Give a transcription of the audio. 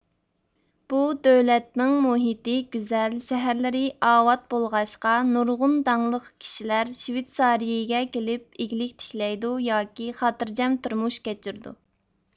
بۇ دۆلەتنىڭ مۇھىتى گۈزەل شەھەرلىرى ئاۋات بولغاچقا نۇرغۇن داڭلىق كىشىلەر شۋېتسارىيىگە كېلىپ ئىگىلىك تىكلەيدۇ ياكى خاتىرجەم تۇرمۇش كەچۈرىدۇ